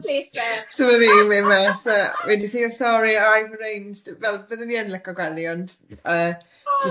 ...so ma' fi'n mynd mas a wedes i o sori I've arranged, fel byddwn i yn lico gwely ond yy jyst ie.